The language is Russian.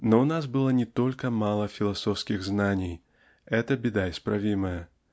Но у нас было не только мало философских знаний--это беда исправимая